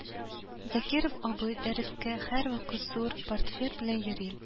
Закиров абый дәрескә һәрвакыт зур портфель белән йөри